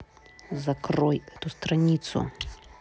закрой эту страницу